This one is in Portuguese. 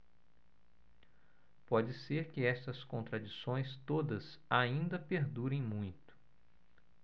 pode ser que estas contradições todas ainda perdurem muito